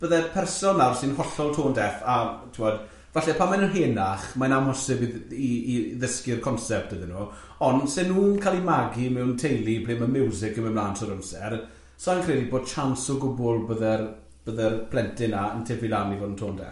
Byddai'r person nawr sy'n hollol tone-deaf a, tibod, falle pan maen nhw'n henach, mae'n amhosib i dd- i i ddysgu'r concept iddyn nhw, ond se'n nhw'n cael eu magu mewn teulu i bleu' ma' miwsig yn mynd mlaen trwy'r amser, sai'n credu bod chance o gwbl byddai'r byddai'r plentyn na yn tifu lan i fod yn tone-deaf.